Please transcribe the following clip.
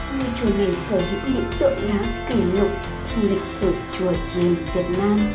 ngôi chùa này sở hữu những tượng đá kỷ lục trong lịch sử chùa chiền việt nam